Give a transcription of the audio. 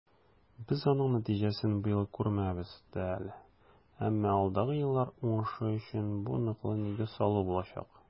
Без аның нәтиҗәсен быел күрмәбез дә әле, әмма алдагы еллар уңышы өчен бу ныклы нигез салу булачак.